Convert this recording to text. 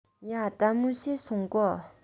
ཡ དལ མོ བྱོས སོང གོ